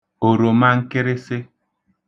òròmankịrịsị